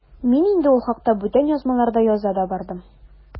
Мин инде ул хакта бүтән язмаларда яза да бардым.